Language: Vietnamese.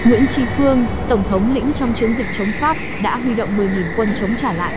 nguyễn tri phương tổng thống lĩnh trong chiến dịch chống pháp đã huy động quân chống trả lại